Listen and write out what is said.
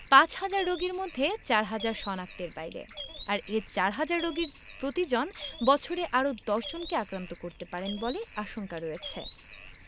পাঁচহাজার রোগীর মধ্যে চারহাজার শনাক্তের বাইরে আর এ চারহাজার রোগীর প্রতিজন বছরে আরও ১০ জনকে আক্রান্ত করতে পারেন বলে আশঙ্কা রয়েছে